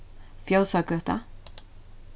fjósagøta